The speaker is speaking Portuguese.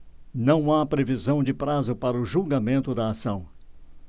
não há previsão de prazo para o julgamento da ação